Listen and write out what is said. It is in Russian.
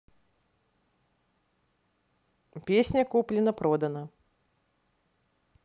песня куплено продано